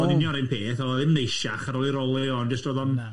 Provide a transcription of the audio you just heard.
Oedd o'n union yr un peth, oedd o ddim neisiach ar ôl ei rowlio o, ond jyst oedd o'n... Na.